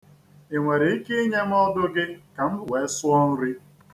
I nwere ike inye m ọdụ gị ka m wee sụọ nri.